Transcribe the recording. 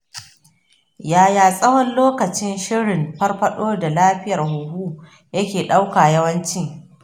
yaya tsawon lokaci shirin farfaɗo da lafiyar huhu yake ɗauka yawanci?